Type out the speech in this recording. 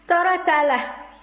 tɔɔrɔ t'a la